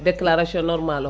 déclaration normal o